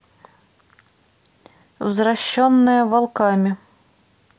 взращенная волками